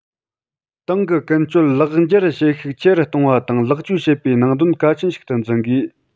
ཏང གི ཀུན སྤྱོད ལེགས འགྱུར བྱེད ཤུགས ཆེ རུ གཏོང བ དང ལེགས བཅོས བྱེད པའི ནང དོན གལ ཆེན ཞིག ཏུ འཛིན དགོས